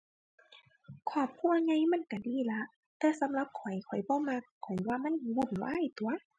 ครอบครัวใหญ่มันก็ดีล่ะ แต่สำหรับข้อย ข้อยบ่มัก ข้อยว่ามันวุ่นวายตั่ว